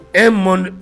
E mandi